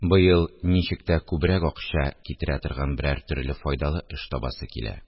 Быел ничек тә күбрәк акча китерә торган берәр төрле файдалы эш табасы килә